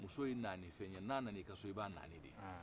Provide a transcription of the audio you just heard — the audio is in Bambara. muso ka kan ka naani de o